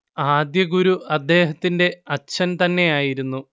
ആദ്യ ഗുരു അദ്ദേഹത്തിന്റെ അച്ഛൻ തന്നെയായിരുന്നു